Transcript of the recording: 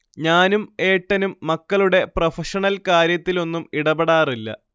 ഞാനും ഏട്ടനും മക്കളുടെ പ്രൊഫഷണൽ കാര്യത്തിലൊന്നും ഇടപെടാറില്ല